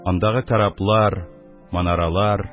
Андагы караблар, манаралар,